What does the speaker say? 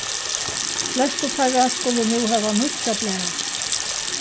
flestu teirra skulu nú hava nýggja blæu